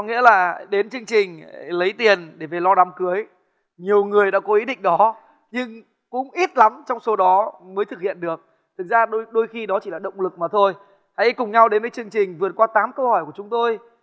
có nghĩa là đến chương trình lấy tiền để về lo đám cưới nhiều người đã có ý định đó nhưng cũng ít lắm trong số đó mới thực hiện được thực ra đôi đôi khi đó chỉ là động lực mà thôi hãy cùng nhau đến với chương trình vượt qua tám câu hỏi của chúng tôi